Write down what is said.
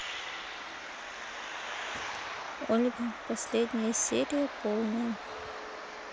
ольга последняя серия полная